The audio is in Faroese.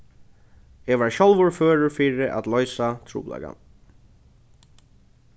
eg var sjálvur førur fyri at loysa trupulleikan